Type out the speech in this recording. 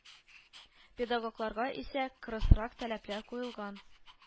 Педагогларга исә кырысрак таләпләр куелган